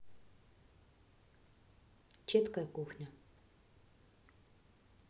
четкая кухня